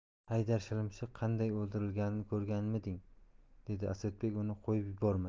haydar shilimshiq qanday o'ldirilganini ko'rganmiding dedi asadbek uni qo'yib yubormay